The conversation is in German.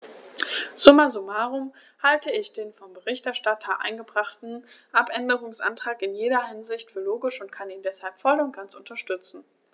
Summa summarum halte ich den von dem Berichterstatter eingebrachten Abänderungsantrag in jeder Hinsicht für logisch und kann ihn deshalb voll und ganz unterstützen.